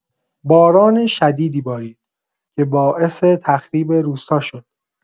باران شدیدی بارید که باعث تخریب روستا شد.